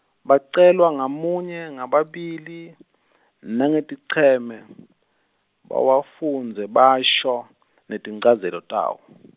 Bacelwa ngamunye, ngababili, nangeticheme bawafundze basho netinchazelo tawo.